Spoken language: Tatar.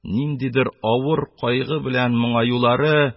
Ниндидер авыр кайгы белән моңаюлары -